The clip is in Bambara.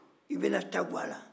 i bɛna taguwa la